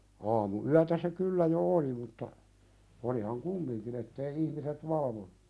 aamuyötä se kyllä jo oli mutta olihan kumminkin että ei ihmiset valvoneet